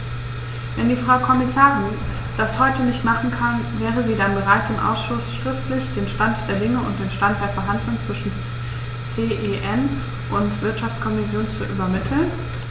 Wenn die Frau Kommissarin das heute nicht machen kann, wäre sie dann bereit, dem Ausschuss schriftlich den Stand der Dinge und den Stand der Verhandlungen zwischen CEN und Wirtschaftskommission zu übermitteln?